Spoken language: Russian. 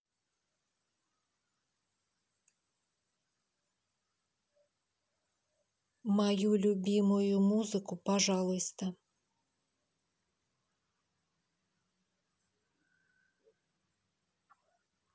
мою любимую музыку пожалуйста